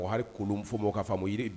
Hali kolon ka faama